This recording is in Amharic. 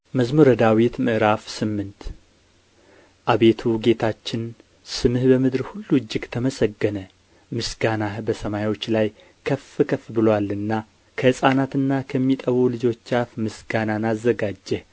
መዝሙር ምዕራፍ ስምንት አቤቱ ጌታችን ስምህ በምድር ሁሉ እጅግ ተመሰገነ ምስጋናህ በሰማዮች ላይ ከፍ ከፍ ብሎአልና ከሕፃናትና ከሚጠቡ ልጆች አፍ ምስጋናን አዘጋጀህ